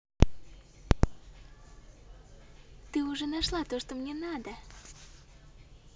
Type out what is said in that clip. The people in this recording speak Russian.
ты уже нашла то что мне надо